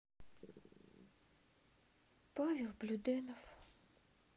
павел блюденов